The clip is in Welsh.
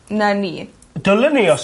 'na ni. Dylwn i os...